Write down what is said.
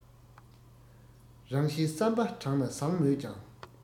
རང བཞིན བསམ པ དྲང ན བཟང མོད ཀྱང